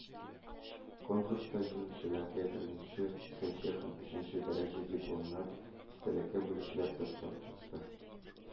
Конкурста җиңүчеләргә беренче, икенче һәм өченче дәрәҗә дипломнар, истәлекле бүләкләр тапшырылды